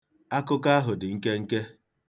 Akụkọ ahụ dị nkenke.